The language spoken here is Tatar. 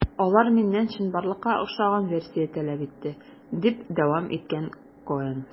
Алар миннән чынбарлыкка охшаган версия таләп итте, - дип дәвам иткән Коэн.